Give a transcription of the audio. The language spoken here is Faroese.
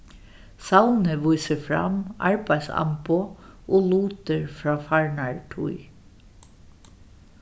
savnið vísir fram arbeiðsamboð og lutir frá farnari tíð